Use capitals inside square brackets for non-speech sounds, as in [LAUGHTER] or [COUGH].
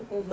[HESITATION] [HESITATION]